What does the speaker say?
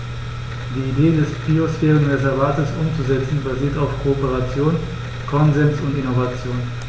Die Idee des Biosphärenreservates umzusetzen, basiert auf Kooperation, Konsens und Innovation.